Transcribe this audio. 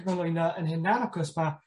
cyflwyno 'yn hunan achos ma'...